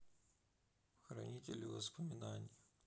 хранители воспоминаний